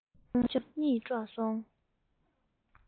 གཅུང མོའི གཉིད དཀྲོགས སོང